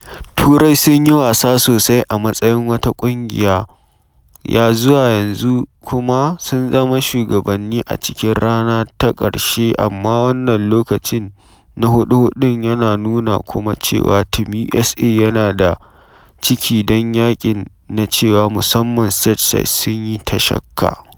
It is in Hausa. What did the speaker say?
Turai sun yi wasa sosai a matsayin wata ƙungiya ya zuwa yanzu kuma sun zama shugabanni a cikin rana ta ƙarshe amma wannan lokacin na huɗu-huɗun yana nuna kuma cewa Team USA yana da ciki don yaƙin na cewa, musamman Stateside, sun yi ta shakka.